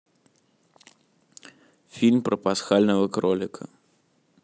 фильм про пасхального кролика